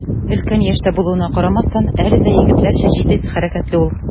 Өлкән яшьтә булуына карамастан, әле дә егетләрчә җитез хәрәкәтле ул.